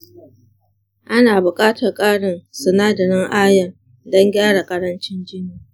ana buƙatar ƙarin sinadarin iron don gyara ƙarancin jini.